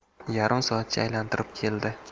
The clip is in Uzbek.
yarim soatcha aylantirib keldi